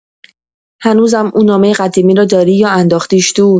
هنوزم اون نامه قدیمی روداری یا انداختیش دور؟